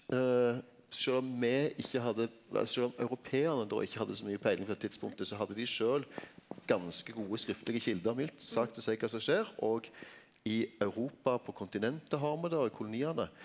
sjølv om me ikkje hadde sjølv om europearane då ikkje hadde så mykje peiling på dette tidspunktet så hadde dei sjølv ganske gode skriftlege kjelder mildt sagt å seie kva som skjer og i Europa på kontinentet har me det og i koloniane.